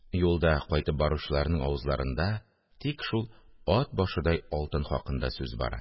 Юлда кайтып баручыларның авызларында тик шул «ат башыдай алтын» хакында сүз бара